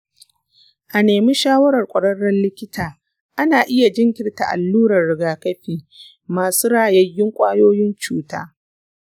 a nemi shawarar ƙwararren likita. ana iya jinkirta alluran rigakafi masu rayayyun ƙwayoyin cuta.